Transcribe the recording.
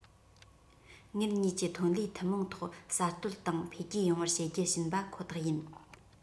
ངེད གཉིས ཀྱི ཐོན ལས ཐུན མོང ཐོག གསར གཏོད དང འཕེལ རྒྱས ཡོང བར བྱེད རྒྱུ བྱིན པ ཁོ ཐག ཡིན